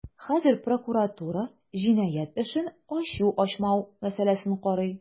Хәзер прокуратура җинаять эшен ачу-ачмау мәсьәләсен карый.